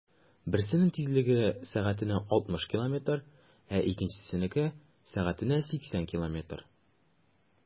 Берсенең тизлеге 60 км/сәг, ә икенчесенеке - 80 км/сәг.